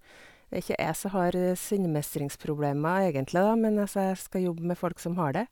Det er ikke jeg som har sinnemestringsproblemer egentlig, da, men altså, jeg skal jobbe med folk som har det.